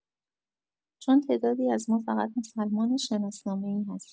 چون تعدادی از ما فقط مسلمان شناسنامه‌ای هستیم